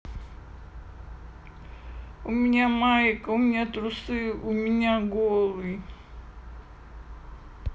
у меня майка у меня трусы у меня голый